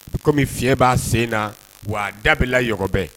Bitɔn kɔmimi fi fiɲɛɲɛ b'a sen na wa dabilala yɔrɔbɛ